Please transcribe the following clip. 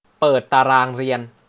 เปิดตารางเรียน